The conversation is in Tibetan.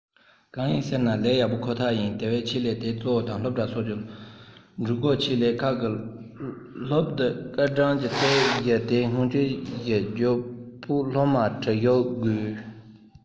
གང ཡིན ཟེར ན ལས ཡག པོ ཁོ ཐག ཡིན དེ བས ཆེད ལས དེ གཙོ བོ དང སློབ གྲྭ ཕྱོགས ཀྱི གྲོས འགོ ཆེད ལས ཁག གི སློབ བསྡུའི སྐར གྲངས ཀྱི ཚད གཞི དེ སྔོན དཔྱད གཞི རྒྱུགས སྤྲོད སློབ མ དྲ ཞུགས དགོས